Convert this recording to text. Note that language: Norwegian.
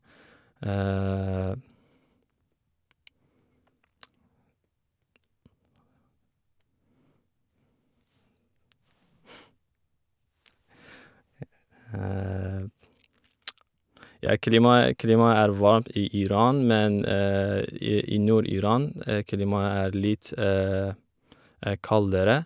Ja, klimaet klimaet er varmt i Iran, men i i Nord-Iran, klimaet er litt kaldere.